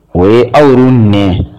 O ye aw y' minɛ